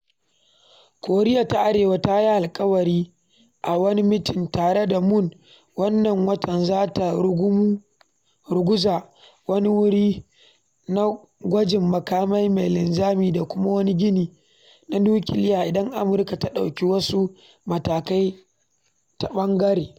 Koriya ta Arewa ta yi alkawari a wani mitin tare da Moon wannan watan za ta ruguza wani wuri na gwajin makami mai linzami da kuma wani gini na nukiliya idan Amurka ta ɗauki “wasu matakai ta ɓangaren.”